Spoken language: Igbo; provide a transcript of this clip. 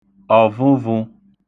ọ̀vụvụ̄